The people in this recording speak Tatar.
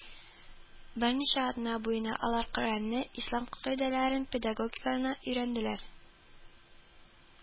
Берничә атна буена алар Коръәнне, Ислам кагыйдәләрен, педагогиканы өйрәнделәр